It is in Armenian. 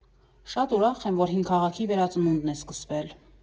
Շատ ուրախ եմ, որ հին քաղաքի վերածնունդն է սկսվել։